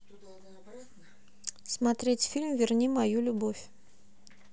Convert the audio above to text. смотреть фильм верни мою любовь